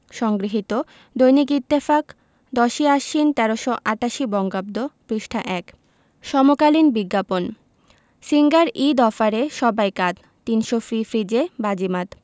সংগৃহীত দৈনিক ইত্তেফাক ১০ই আশ্বিন ১৩৮৮ বঙ্গাব্দ পৃষ্ঠা ১ সমকালীন বিজ্ঞাপন সিঙ্গার ঈদ অফারে সবাই কাত ৩০০ ফ্রি ফ্রিজে বাজিমাত